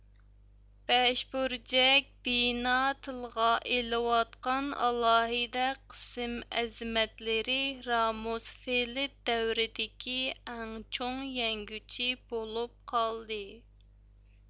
بەشبۇرجەك بىنا تىلغا ئېلىۋاتقان ئالاھىدە قىسىم ئەزىمەتلىرى رامۇسفېلد دەۋرىدىكى ئەڭ چوڭ يەڭگۈچى بولۇپ قالدى